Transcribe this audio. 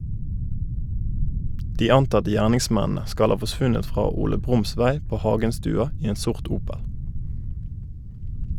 De antatte gjerningsmennene skal ha forsvunnet fra Ole Brumsvei på Haugenstua i en sort Opel.